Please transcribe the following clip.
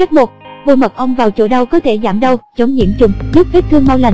cách bôi mật ong vào chỗ đau có thể giảm đau chống nhiễm trùng giúp vết thương mau lành